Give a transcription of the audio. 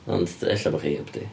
Ond ella bod chi heb 'di.